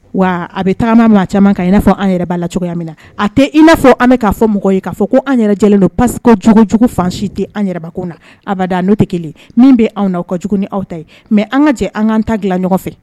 Wa a bɛ taga n' maa caman kan n'a fɔ an yɛrɛ' la cogoya min na a tɛ i n'a fɔ an bɛ k'a fɔ mɔgɔ ye k'a fɔ ko an yɛrɛ lajɛlen don pa queko jjugu fansi tɛ an yɛrɛ na abada n'o tɛ kelen min bɛ anw aw ka jugu ni aw ta mɛ an ka jɛ an ka ta dilan ɲɔgɔn fɛ